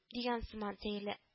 Дигән сыман сәерлә